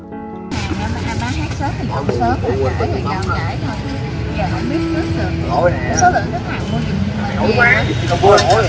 hàng mà bán hết sớm thì về sớm trễ thì dọn trễ thôi giờ không biết trước được số lượng khách hàng